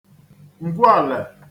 ǹgwualẹ̀